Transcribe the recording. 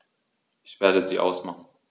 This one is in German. Ich werde sie ausmachen.